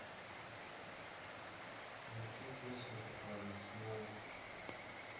включи песенку про весну